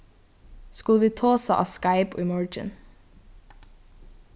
skulu vit tosa á skype í morgin